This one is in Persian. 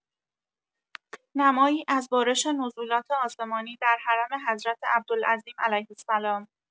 نمایی از بارش نزولات آسمانی در حرم حضرت عبدالعظیم (ع)